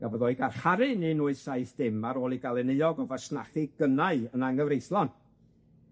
Gafodd o'i garcharu'n un wyth saith dim ar ôl 'i gael yn euog o fasnachu gynnau yn angyfreithlon,